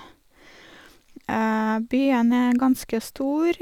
Byen er ganske stor.